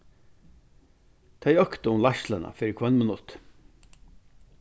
tey øktu um leiðsluna fyri hvønn minutt